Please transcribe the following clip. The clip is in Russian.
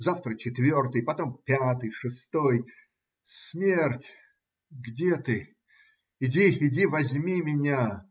Завтра - четвертый, потом пятый, шестой. Смерть, где ты? Иди, иди! Возьми меня!